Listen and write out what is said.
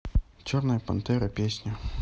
черная пантера песня